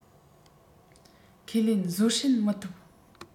ཁས ལེན བཟོད བསྲན མི ཐུབ